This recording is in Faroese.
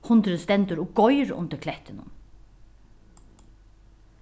hundurin stendur og goyr undir klettinum